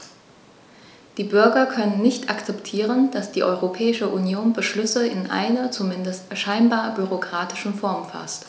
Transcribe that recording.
Die Bürger können nicht akzeptieren, dass die Europäische Union Beschlüsse in einer, zumindest scheinbar, bürokratischen Form faßt.